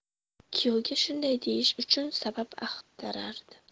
kuyovga shunday deyish uchun sabab axtarardi